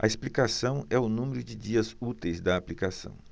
a explicação é o número de dias úteis da aplicação